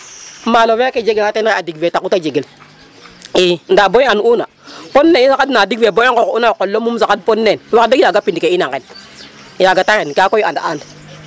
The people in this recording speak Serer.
maalo feeke jeke xateno diig fe taxu ta jegel i ndaa bo i and'una kon ne i saxada diig fe bo i nqoox'una o qol o muum saxad pod neen wax deg yaaga pind ke in a nqen yaaga ta xen ka koy and'an.